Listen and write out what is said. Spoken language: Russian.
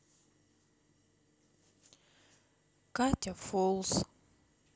катя фолс